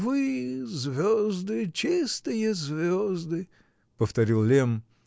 -- Вы, звезды, чистые звезды, -- повторил Лемм.